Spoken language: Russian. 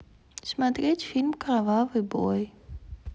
смотреть фильм кровавый бой